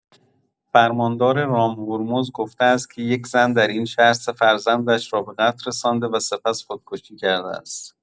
فرماندار رامهرمز گفته است که یک زن در این شهر سه فرزندش را به قتل رسانده و سپس خودکشی کرده است.